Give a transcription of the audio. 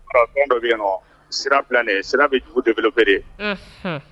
ɔ fɛn dɔ bɛ yen sira fil nin ye, sira bɛ dugu developpér de, unhun.